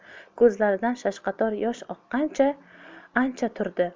ko'zlaridan shashqator yosh oqqancha ancha turdi